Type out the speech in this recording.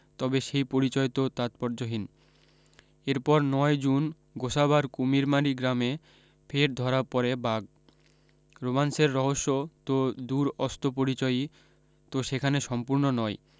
তবে সেই পরিচয় তো তাৎপর্যহীন এরপর নয় জুন গোসাবার কুমিরমারি গ্রামে ফের ধরা পড়ে বাঘ রোম্যান্সের রহস্য তো দূর অস্ত পরিচয়ই তো সেখানে সম্পূর্ণ নয়